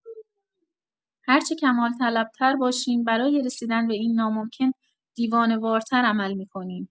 هرچه کمال طلب‌تر باشیم، برای رسیدن به این ناممکن، دیوانه‌وارتر عمل می‌کنیم.